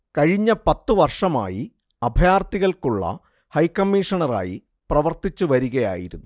കഴിഞ്ഞ പത്തുവർഷമായി അഭയാർഥികൾക്കുളള ഹൈക്കമ്മീഷണറായി പ്രവർത്തിച്ച് വരികയായിരുന്നു